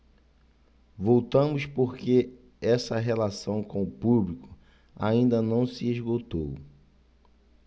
voltamos porque essa relação com o público ainda não se esgotou